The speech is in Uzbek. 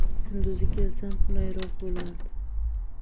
kunduzi kelsam qulayroq bo'lardi